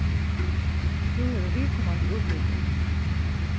tú hevur viðkomandi útbúgving